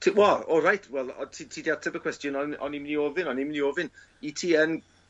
Ti... Wel, oreit wel o' ti ti 'di ateb y cwestiwn o'n o'n i myn' i ofyn o'n i myn' i ofyn 'yt ti yn